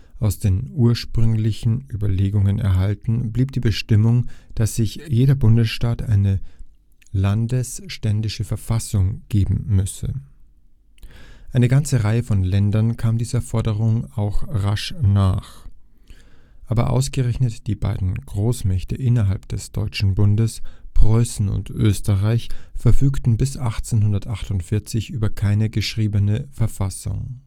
Aus den ursprünglichen Überlegungen erhalten blieb die Bestimmung, dass sich jeder Bundesstaat eine landständische Verfassung geben müsse. Eine ganze Reihe von Ländern kam dieser Forderung auch rasch nach. Aber ausgerechnet die beiden Großmächte innerhalb des Deutschen Bundes, Preußen und Österreich, verfügten bis 1848 über keine geschriebene Verfassung